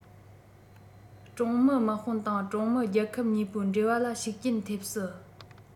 ཀྲུང མི དམག དཔུང དང ཀྲུང མི རྒྱལ ཁབ གཉིས པོའི འབྲེལ བ ལ ཤུགས རྐྱེན ཐེབས སྲིད